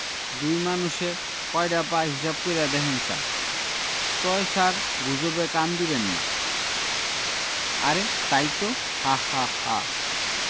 দুই মানুষে কয়ডা পা হিসাব কইরা দেখেন ছার তয় ছার গুজবে কান্দিবেন্না আরে তাই তো হাহাহা